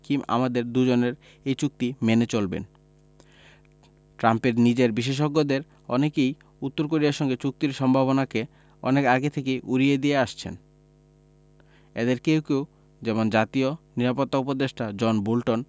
Kim আমাদের দুজনের এই চুক্তি মেনে চলবেন ট্রাম্পের নিজের বিশেষজ্ঞদের অনেকেই উত্তর কোরিয়ার সঙ্গে চুক্তির সম্ভাবনাকে অনেক আগে থেকেই উড়িয়ে দিয়ে আসছেন এঁদের কেউ কেউ যেমন জাতীয় নিরাপত্তা উপদেষ্টা জন বোল্টন